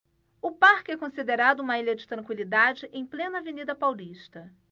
o parque é considerado uma ilha de tranquilidade em plena avenida paulista